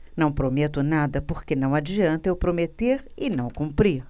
não prometo nada porque não adianta eu prometer e não cumprir